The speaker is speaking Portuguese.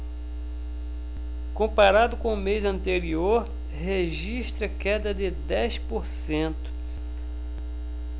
comparado com o mês anterior registra queda de dez por cento